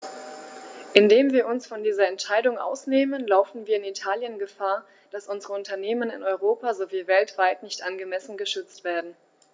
Indem wir uns von dieser Entscheidung ausnehmen, laufen wir in Italien Gefahr, dass unsere Unternehmen in Europa sowie weltweit nicht angemessen geschützt werden.